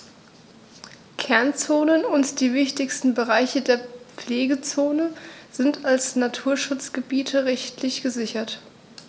Kernzonen und die wichtigsten Bereiche der Pflegezone sind als Naturschutzgebiete rechtlich gesichert.